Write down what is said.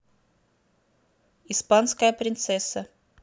испанская принцесса